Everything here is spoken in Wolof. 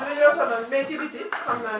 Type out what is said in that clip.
dinañ la sonal mais ci biti xam naa lay